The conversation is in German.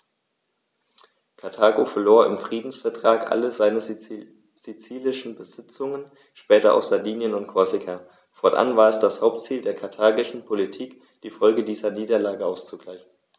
Karthago verlor im Friedensvertrag alle seine sizilischen Besitzungen (später auch Sardinien und Korsika); fortan war es das Hauptziel der karthagischen Politik, die Folgen dieser Niederlage auszugleichen.